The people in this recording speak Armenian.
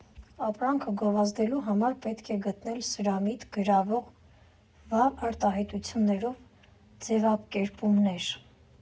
Ապրանքը գովազդելու համար պետք է գտնել սրամիտ, գրավող վառ արտահայտություններով ձևակերպումներ։